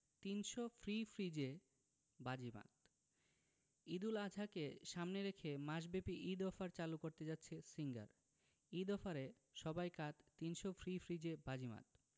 ৩০০ free ফ্রিজে বাজিমাত ঈদুল আজহাকে সামনে রেখে মাসব্যাপী ঈদ অফার চালু করতে যাচ্ছে সিঙ্গার ঈদ অফারে সবাই কাত ৩০০ ফ্রি ফ্রিজে বাজিমাত